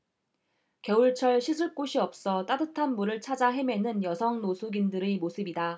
겨울철 씻을 곳이 없어 따뜻한 물을 찾아 헤매는 여성 노숙인들의 모습이다